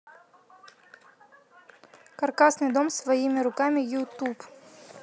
каркасный дом своими руками ютуб